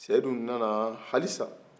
sedu nana halisa